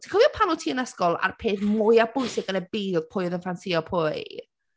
Ti’n cofio pan o’t ti yn ysgol a’r peth mwya bwysig yn y byd oedd pwy yn ffansïo pwy?